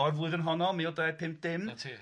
o'r flwyddyn honno, mil dau pump dim Na ti.